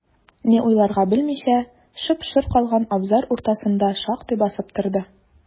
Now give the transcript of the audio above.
Ни уйларга белмичә, шып-шыр калган абзар уртасында шактый басып торды.